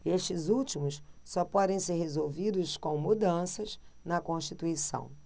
estes últimos só podem ser resolvidos com mudanças na constituição